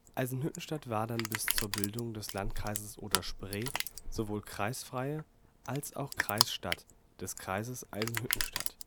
Eisenhüttenstadt war dann bis zur Bildung des Landkreises Oder-Spree sowohl kreisfreie Stadt als auch Kreisstadt des Kreises Eisenhüttenstadt